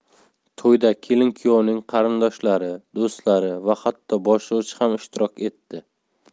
to'yda kelin kuyovning qarindoshlari do'stlari va hatto boshlovchi ham ishtirok etdi